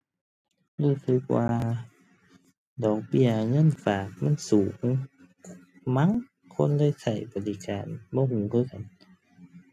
รู้สึกว่าดอกเบี้ยเงินฝากมันสูงมั้ง คนเลยใช้บริการ บ่ใช้คือกัน